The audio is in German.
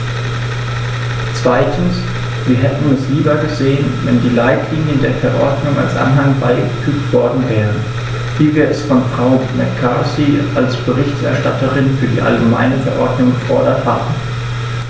Zweitens: Wir hätten es lieber gesehen, wenn die Leitlinien der Verordnung als Anhang beigefügt worden wären, wie wir es von Frau McCarthy als Berichterstatterin für die allgemeine Verordnung gefordert hatten.